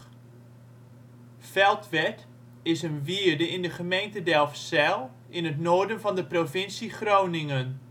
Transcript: Feldwerd is een wierde in de gemeente Delfzijl in het noorden van de provincie Groningen